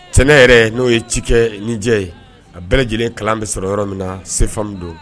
Tɛnɛ yɛrɛ n'o ye ci kɛ ni jɛ ye a bɛɛ lajɛlen kalan bɛ sɔrɔ yɔrɔ min na SEFAM don